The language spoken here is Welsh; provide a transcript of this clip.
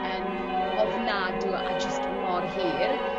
yn ofnadw a jyst mor hir.